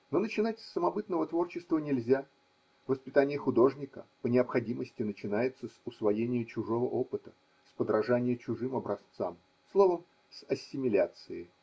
Но начинать с самобытного творчества нельзя: воспитание художника по необходимости начинается с усвоения чужого опыта, с подражания чужим образцам – словом, с ассимиляции.